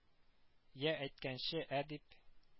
Я әйткәнче ә дип